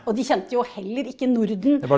og de kjente jo heller ikke Norden.